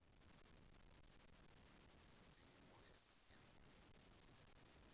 ты не мой ассистент